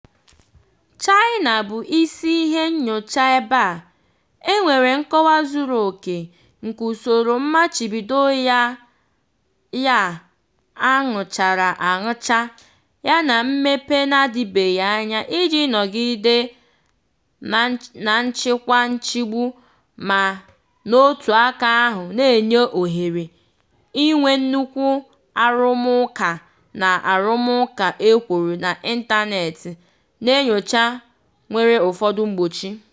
China bụ isi ihe nnyocha ebe a, e nwere nkọwa zuru oke nke usoro mmachibido ya a ṅụchara aṅụcha yana mmepe n'adịbeghị anya iji nọgide na nchịkwa nchịgbu, ma n'otu aka ahụ na-enye ohere,"... inwe nnukwu arụmụka na arụmụka ekworo n'ịntanetị na nnyocha nwere ụfọdụ mgbochi."